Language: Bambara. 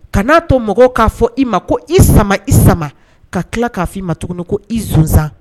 Kana n'a to mɔgɔw k'a fɔ i ma ko i sama i sama ka tila k'a fɔ i ma tuguni ko izsan